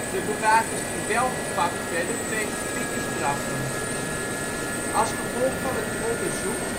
De bewakers die wel gepakt werden, kregen flinke straffen. Als gevolg van het onderzoek